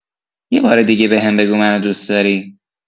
یه بار دیگه بهم بگو منو دوست‌داری